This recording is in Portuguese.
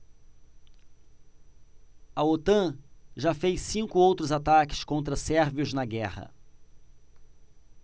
a otan já fez cinco outros ataques contra sérvios na guerra